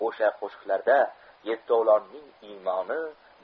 o'sha qo'shiqlarda yetovlonning imoni